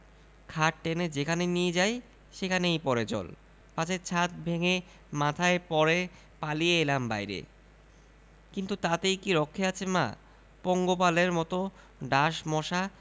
খাট টেনে যেখানে নিয়ে যাই সেখানেই পড়ে জল পাছে ছাত ভেঙ্গে মাথায় পড়ে পালিয়ে এলাম বাইরে কিন্তু তাতেই কি রক্ষে আছে মা পঙ্গপালের মত ডাঁশ মশা